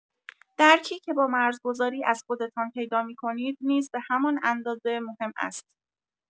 درکی که با مرزگذاری از خودتان پیدا می‌کنید نیز به همان اندازه مهم است.